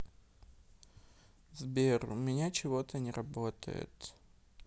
сбер у меня чего то не работает